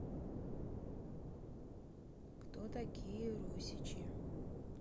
кто такие русичи